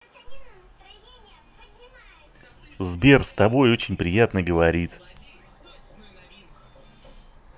сбер с тобой очень приятно говорить